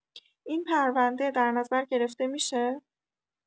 این پرونده در نظر گرفته می‌شه؟